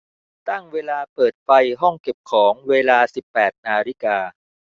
ตั้งเวลาเปิดไฟห้องเก็บของเวลาสิบแปดนาฬิกา